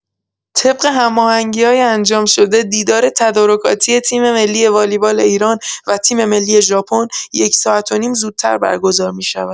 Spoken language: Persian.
طبق هماهنگی‌های انجام‌شده، دیدار تدارکاتی تیم‌ملی والیبال ایران و تیم‌ملی ژاپن، یک ساعت و نیم زودتر برگزار می‌شود.